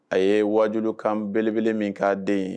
A ye wajkan belebele min ka den ye